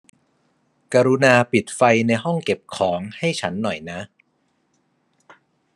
กรุณาปิดไฟในห้องเก็บของให้ฉันหน่อยนะ